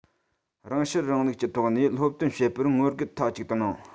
རང ཤེད རིང ལུགས ཀྱི ཐོག ནས སློབ སྟོན བྱེད པར ངོ རྒོལ མཐའ གཅིག ཏུ གནང